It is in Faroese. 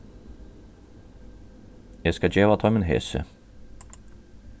eg skal geva teimum hesi